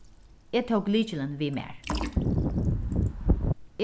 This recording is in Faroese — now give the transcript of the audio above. eg tók lykilin við mær